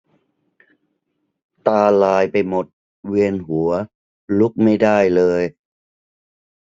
ตาลายไปหมดเวียนหัวลุกไม่ได้เลย